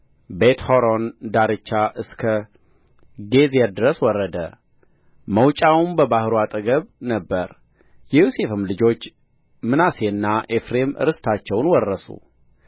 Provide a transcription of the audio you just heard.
ቤትሖሮን ዳርቻ እስከ ጌዝር ድረስ ወረደ መውጫውም በባሕሩ አጠገብ ነበረ የዮሴፍም ልጆች ምናሴና ኤፍሬም ርስታቸውን ወረሱ